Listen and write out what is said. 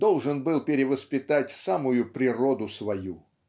должен был перевоспитать самую природу свою.